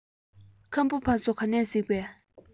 ཁམ བུ ཕ ཚོ ག ནས གཟིགས པ